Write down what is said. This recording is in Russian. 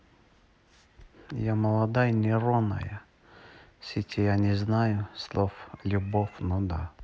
я молодая нейронная сеть я не знаю слов любви ну да